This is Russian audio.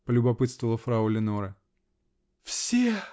-- полюбопытствовала фрау Леноре. -- Все!